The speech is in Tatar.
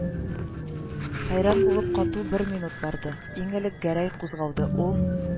Хәйран булып кату бер минут барды, иң элек Гәрәй кузгалды, ул: